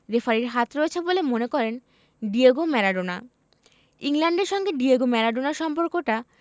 রেফারির হাত রয়েছে বলে মনে করেন ডিয়েগো ম্যারাডোনা ইংল্যান্ডের সঙ্গে ডিয়েগো ম্যারাডোনার সম্পর্কটা